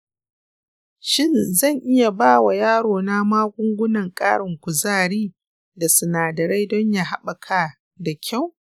shin zan iya ba wa yarona magungunan ƙarin kuzari da sinadirai don ya haɓaka da kyau?